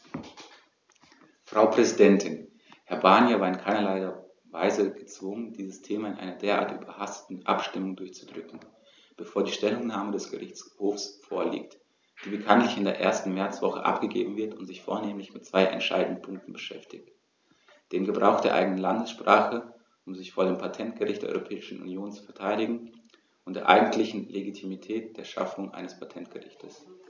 Frau Präsidentin, Herr Barnier war in keinerlei Weise gezwungen, dieses Thema in einer derart überhasteten Abstimmung durchzudrücken, bevor die Stellungnahme des Gerichtshofs vorliegt, die bekanntlich in der ersten Märzwoche abgegeben wird und sich vornehmlich mit zwei entscheidenden Punkten beschäftigt: dem Gebrauch der eigenen Landessprache, um sich vor dem Patentgericht der Europäischen Union zu verteidigen, und der eigentlichen Legitimität der Schaffung eines Patentgerichts.